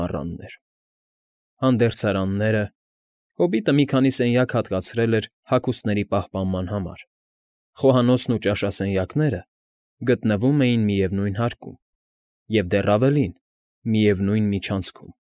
Մառաններ), հանդերձարանները (հոբիտը մի քանի սենյակ հատկացրել էր հագուստների պահպանման համար), խոհանոցն ու ճաշասենյակները գտնվում էին միևնույն հարկում և, դեռ ավելին, միևնույն միջանցքում։